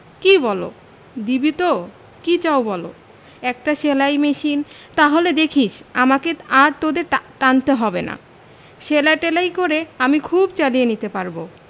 কি বলো দিবি তো কি চাও বলো একটা সেলাই মেশিন তাহলে দেখিস আমাকে আর তোদের টা টানতে হবে না সেলাই টেলাই করে আমি খুব চালিয়ে নিতে পারব